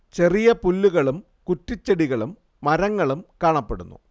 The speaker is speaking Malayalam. ചെറിയ പുല്ലുകളും കുറ്റിച്ചെടികളും മരങ്ങളും കാണപ്പെടുന്നു